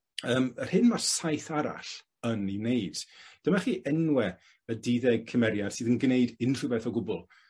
ym yr hyn ma'r saith arall yn 'u neud. Dyma chi enwe y duddeg cymeriad sydd yn gneud unrhywbeth o gwbwl.